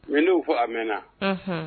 Mɛen fɔ a mɛnɛna